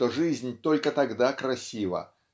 что жизнь только тогда красива